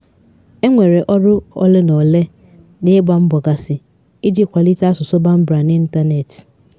E nwere ọrụ olenaole na ịgba mbọ gasị iji kwalite asụsụ Bambara n'Ịntanetị.